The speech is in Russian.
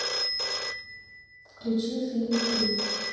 включи фильм крид